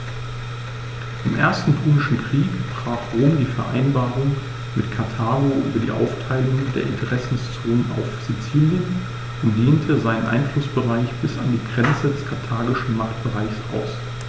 Im Ersten Punischen Krieg brach Rom die Vereinbarung mit Karthago über die Aufteilung der Interessenzonen auf Sizilien und dehnte seinen Einflussbereich bis an die Grenze des karthagischen Machtbereichs aus.